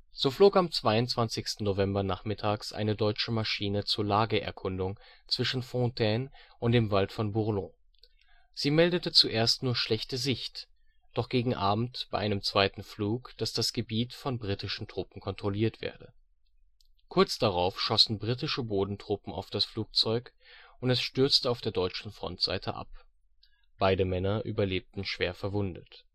So flog am 22. November nachmittags eine deutsche Maschine zur Lageerkundung zwischen Fontaine und dem Wald von Bourlon. Sie meldete zuerst nur schlechte Sicht, doch gegen Abend bei einem zweiten Flug, dass das Gebiet von britischen Truppen kontrolliert werde. Kurz darauf schossen britische Bodentruppen auf das Flugzeug und es stürzte auf der deutschen Frontseite ab. Beide Männer überlebten schwer verwundet